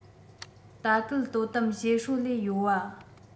ལྟ སྐུལ དོ དམ བྱེད སྲོལ ལས གཡོལ བ